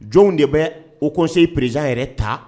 Jɔn de bɛ o kɔsen perezan yɛrɛ ta